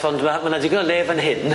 ...ond ma' ma' 'na digon o le fan hyn.